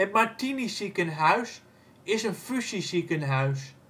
Martiniziekenhuis is een fusieziekenhuis